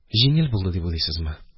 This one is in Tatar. Җиңел булды дип уйлыйсызмы?